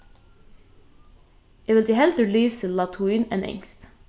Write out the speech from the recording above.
eg vildi heldur lisið latín enn enskt